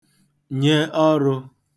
nye ọrụ̄